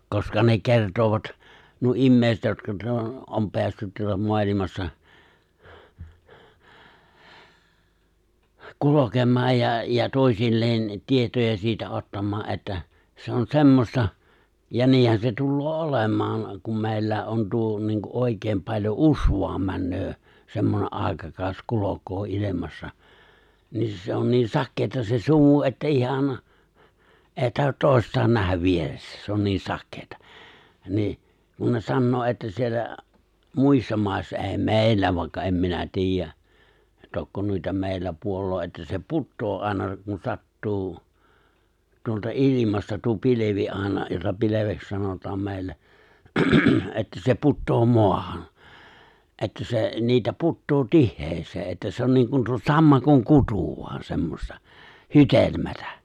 koska ne kertoivat nuo ihmiset jotka tuota on päässyt tuota maailmassa kulkemaan ja ja toisilleen tietoja siitä ottamaan että se on semmoista ja niinhän se tulee olemaan kun meilläkin on tuo niin kuin oikein paljon usvaan menee semmoinen aikakausi kulkee ilmassa niin se on niin sakeaa se sumu että ihan ei tahdo toistaan nähdä vieressä se on niin sakeaa niin kun ne sanoo että siellä muissa maissa ei meillä vaikka en minä tiedä tokko noita meillä puolen että se putoaa aina kun sattuu tuolta ilmasta tuo pilvi aina jota pilveksi sanotaan meillä että se putoaa maahan että se niitä putoaa tiheään että se on niin kuin tuo sammakon kutu vain semmoista hydelmää